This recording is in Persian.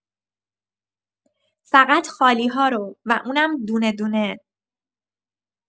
فقط خالی‌ها رو و اونم دونه‌دونه.